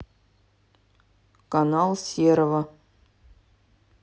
канал серого